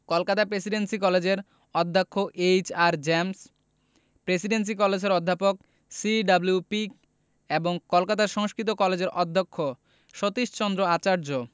Kolkata Presidency কলেজের অধ্যক্ষ H R James Presidency কলেজের অধ্যাপক সি.ডব্লিউ পিক এবং কলকাতা সংস্কৃত কলেজের অধ্যক্ষ সতীশচন্দ্র আচার্য